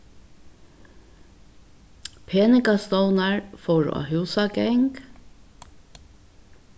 peningastovnar fóru á húsagang